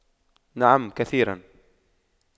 نعم كثيرا